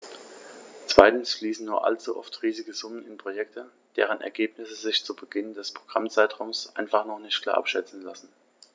Zweitens fließen nur allzu oft riesige Summen in Projekte, deren Ergebnisse sich zu Beginn des Programmzeitraums einfach noch nicht klar abschätzen lassen.